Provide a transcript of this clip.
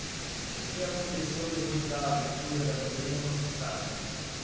o que aconteceu depois da abertura da bandeira não se sabe